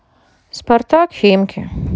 спартак химки